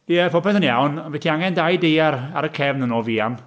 Ie, popeth yn iawn, ond fydd ti angen dau deiar ar y cefn yn o fuan.